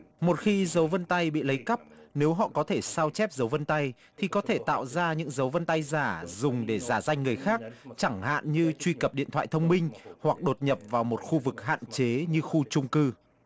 một khi dấu vân tay bị lấy cắp nếu họ có thể sao chép dấu vân tay thì có thể tạo ra những dấu vân tay giả dùng để giả danh người khác chẳng hạn như truy cập điện thoại thông minh hoặc đột nhập vào một khu vực hạn chế như khu chung cư